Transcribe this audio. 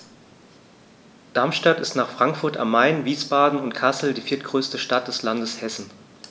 Darmstadt ist nach Frankfurt am Main, Wiesbaden und Kassel die viertgrößte Stadt des Landes Hessen